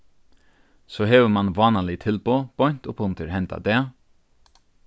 so hevur mann vánalig tilboð beint upp undir henda dag